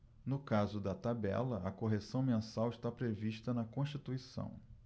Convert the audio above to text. no caso da tabela a correção mensal está prevista na constituição